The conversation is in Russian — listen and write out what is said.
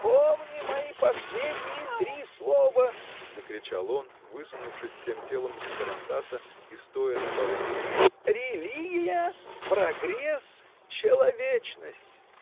"Помни мои последние три слова, -- закричал он, высунувшись всем телом из тарантаса и стоя на балансе, -- религия, прогресс, человечность!.